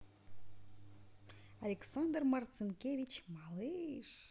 александр марцинкевич малыш